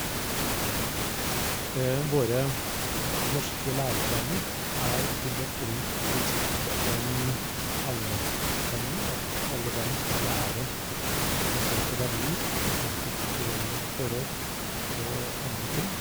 Våre norske læreplaner er bygd opp rundt prinsippet om allmenndanning, at alle barn skal lære bestemte verdier, bestemte kulturelle forråd og andre ting.